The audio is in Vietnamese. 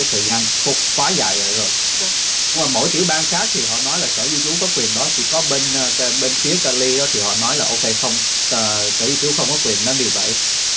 thời gian cục quá dài rồi nhưng mà mỗi tiểu bang khác thì họ nói là sở di trú có quyền đó chỉ có bên cả bên phía ca li đó thì họ nói là ô kê không sở di trú không có quyền đó vì vậy